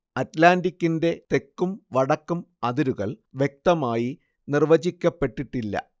അറ്റ്ലാന്റിക്കിന്റെ തെക്കും വടക്കും അതിരുകൾ വ്യക്തമായി നിർവചിക്കപ്പെട്ടിട്ടില്ല